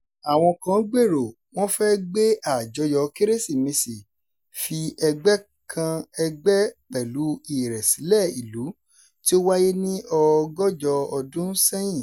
Àwọn kan gbèrò wọ́n fẹ́ gbé àjọyọ̀ Kérésìmesì fi ẹ̀gbẹ́ kan ẹ̀gbẹ́ pẹ̀lú ìrẹ̀sílẹ̀ ìlú tí ó wáyé ní ọgọ́jọ ọdún sẹ́yìn.